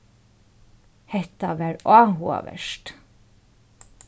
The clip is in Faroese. hetta var áhugavert